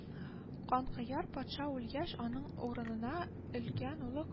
Канкояр патша үлгәч, аның урынына өлкән улы